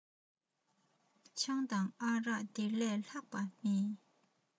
ཆང དང ཨ རག འདི ལས ལྷག པ མེད